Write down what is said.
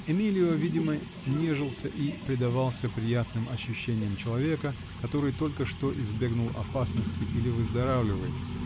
Эмилио видимо нежился и предавался приятным ощущениям человека, который только что избегнул опасности или выздоравливает